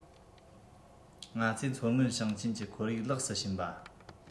ང ཚོས མཚོ སྔོན ཞིང ཆེན གྱི ཁོར ཡུག ལེགས སུ ཕྱིན པ